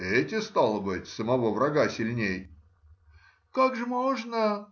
— Эти, стало быть, самого врага сильней? — Как же можно